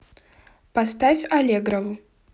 поставь аллегрову